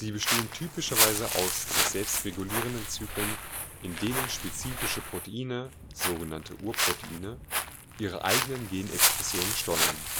bestehen typischerweise aus sich selbst regulierenden Zyklen, in denen spezifische Proteine (sogenannte „ Uhrproteine “) ihre eigenen Genexpressionen steuern